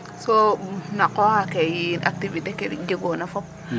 Soo na qoox ake yin activité ke jegoona fop .